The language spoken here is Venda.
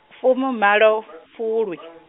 fumimalo fulwi.